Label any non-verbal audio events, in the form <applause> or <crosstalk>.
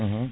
<hesitation> <hesitation>